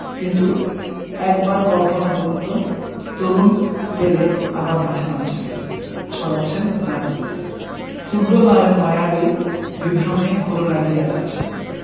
কিন্তু একবার কল্পনা করুন তো তরুণ পেলে আবার মাঠে নামছেন ছড়াচ্ছেন জাদু ফুটবল নামের মায়াবী বিভ্রমে ঘোর লাগিয়ে যাচ্ছেন